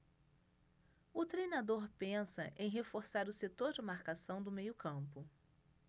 o treinador pensa em reforçar o setor de marcação do meio campo